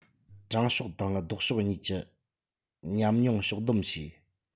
དྲང ཕྱོགས དང ལྡོག ཕྱོགས གཉིས ཀྱི ཉམས མྱོང ཕྱོགས བསྡོམས བྱས